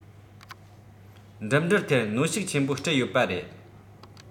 འགྲིམ འགྲུལ ཐད གནོན ཤུགས ཆེན པོ སྤྲད ཡོད པ རེད